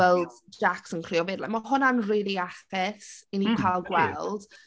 Weld Jaques yn crio 'fyd. Like ma' honna'n really iachus i... mm ydy ...ni cael gweld.